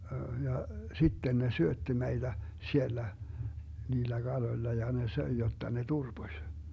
ja sitten ne syötti meitä siellä niillä kaloilla ja ne söi jotta ne turposi